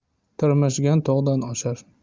tirmashgan tog'dan oshar